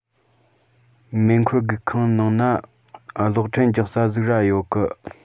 མེ འཁོར སྒུག ཁང གི ནང ན གློག འཕྲིན རྒྱག ས ཟིག ར ཡོད གི